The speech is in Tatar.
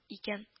Икән